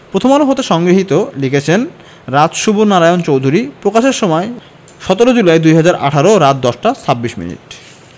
প্রথম আলো হতে সংগৃহীত লিখেছেন রাজ শুভ নারায়ণ চৌধুরী প্রকাশের সময় ১৭ জুলাই ২০১৮ রাত ১০টা ২৬ মিনিট